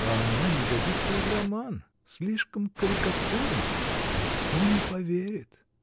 А она не годится и в роман: слишком карикатурна! Никто не поверит.